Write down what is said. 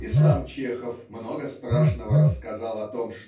И сам Чехов много страшного рассказал о том